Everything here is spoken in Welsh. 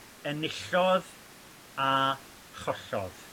Enillodd a chollodd.